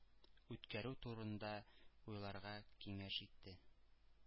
Үткәрү турында уйларга киңәш итте.